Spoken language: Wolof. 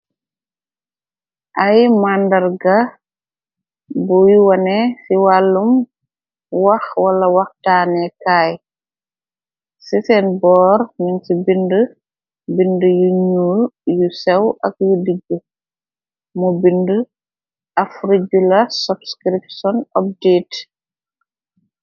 Ay màndarga buy wane ci wàllum wax wala waxtaane kaay. Ci seen boor nim ci bind bind yu ñuu yu sew ak yu dijg. Mu bind af regula subscription update.